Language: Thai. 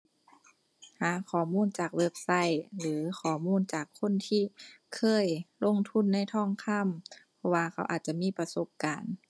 หาข้อมูลจากเว็บไซต์หรือข้อมูลจากคนที่เคยลงทุนในทองคำ เพราะว่าเขาอาจจะมีประสบการณ์